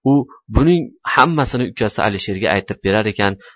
u buning hammasini ukasi alisherga aytib berar ekan